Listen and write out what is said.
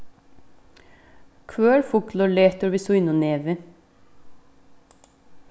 hvør fuglur letur við sínum nevi